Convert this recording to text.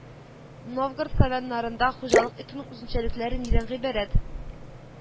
Новгород славяннарында хуҗалык итүнең үзенчәлекләре нидән гыйбарәт